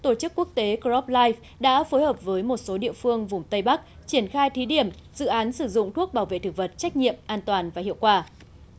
tổ chức quốc tế cờ róp lai đã phối hợp với một số địa phương vùng tây bắc triển khai thí điểm dự án sử dụng thuốc bảo vệ thực vật trách nhiệm an toàn và hiệu quả